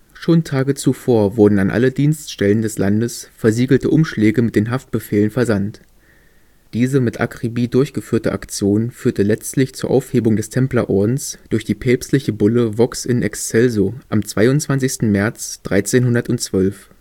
Schon Tage zuvor wurden an alle „ Dienststellen “des Landes versiegelte Umschläge mit den Haftbefehlen versandt. Diese mit Akribie durchgeführte Aktion führte letztlich zur Aufhebung des Templerordens durch die päpstliche Bulle Vox in excelso am 22. März 1312